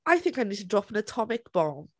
I think I need to drop an atomic bomb.